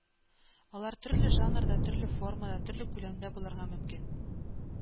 Алар төрле жанрда, төрле формада, төрле күләмдә булырга мөмкин